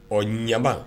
Ɔ ɲɛma